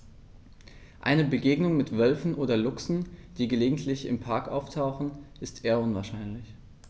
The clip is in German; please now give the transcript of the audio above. Eine Begegnung mit Wölfen oder Luchsen, die gelegentlich im Park auftauchen, ist eher unwahrscheinlich.